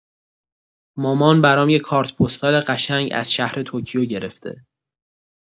مامان برام یه کارت‌پستال قشنگ از شهر توکیو گرفته.